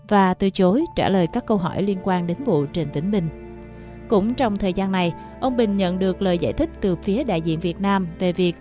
và từ chối trả lời các câu hỏi liên quan đến vụ trịnh vĩnh bình cũng trong thời gian này ông bình nhận được lời giải thích từ phía đại diện việt nam về việc